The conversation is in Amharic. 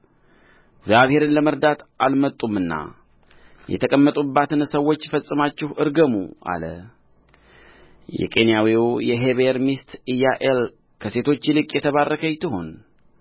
እግዚአብሔርን ለመርዳት አልመጡምና የተቀመጡባትን ሰዎች ፈጽማችሁ እርገሙ አለ የቄናዊው የሔቤር ሚስት ኢያዔል ከሴቶች ይልቅ የተባረከች ትሁን